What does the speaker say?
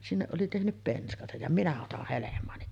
sinne oli tehnyt penskansa ja minä otan helmaani